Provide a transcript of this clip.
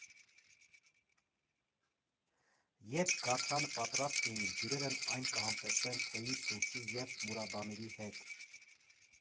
Երբ գաթան պատրաստ լինի, հյուրերն այն կհամտեսեն թեյի, սուրճի և մուրաբաների հետ։